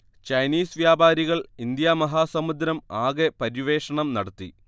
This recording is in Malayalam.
ചൈനീസ് വ്യാപാരികൾ ഇന്ത്യാമഹാസമുദ്രം ആകെ പര്യവേഷണം നടത്തി